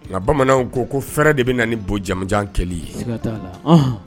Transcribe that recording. Bamanan ko ko fɛɛrɛ de bɛ na ni bon jamujan kɛli ye